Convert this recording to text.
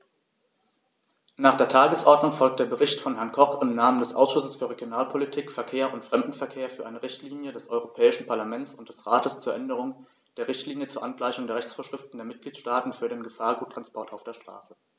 Nach der Tagesordnung folgt der Bericht von Herrn Koch im Namen des Ausschusses für Regionalpolitik, Verkehr und Fremdenverkehr für eine Richtlinie des Europäischen Parlament und des Rates zur Änderung der Richtlinie zur Angleichung der Rechtsvorschriften der Mitgliedstaaten für den Gefahrguttransport auf der Straße.